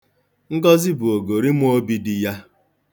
Ngọzị bụ ogori ma obi di ya.